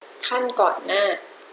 ขั้นก่อนหน้า